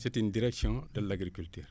c' est une direction de l' agriculture